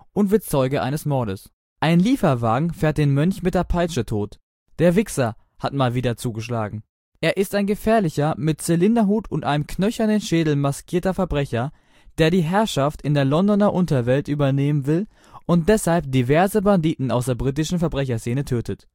und wird Zeuge eines Mordes. Ein Lieferwagen fährt den Mönch mit der Peitsche tot: Der Wixxer hat mal wieder zugeschlagen. Er ist ein gefährlicher, mit Zylinderhut und einem knöchernen Schädel maskierter Verbrecher, der die Herrschaft in der Londoner Unterwelt übernehmen will und deshalb diverse Banditen aus der britischen Verbrecherszene tötet